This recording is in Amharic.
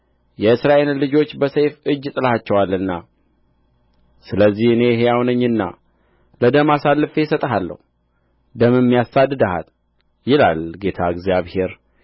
የእስራኤልን ልጆች በሰይፍ እጅ ጥለሃቸዋልና ስለዚህ እኔ ሕያው ነኝና ለደም አሳልፌ እሰጥሃለሁ ደምም ያሳድድሃል ይላል ጌታ እግዚአብሔር